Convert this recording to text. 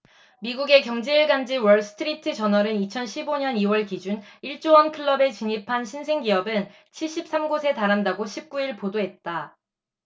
미국의 경제일간지 월스트리트저널은 이천 십 오 년 이 월 기준 일 조원 클럽에 진입한 신생기업은 칠십 삼 곳에 달한다고 십 구 일 보도했다